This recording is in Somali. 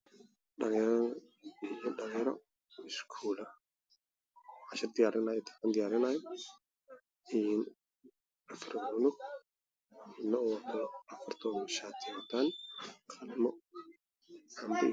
Waa dugsi sare waxaa jooga wiilal waxa ay wataan shaxdii cadaan ah surwaale cadaan cashar ay ku qorayaan qalimaan